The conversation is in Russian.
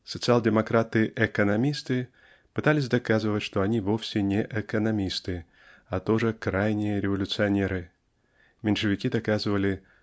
Социал-демократы "экономисты" пытались доказывать что они вовсе не "экономисты" а тоже крайние революционеры. Меньшевики доказывали